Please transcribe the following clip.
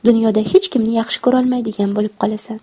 dunyoda hech kimni yaxshi ko'rolmaydigan bo'lib qolasan